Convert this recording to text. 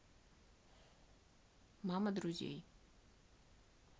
мама друзей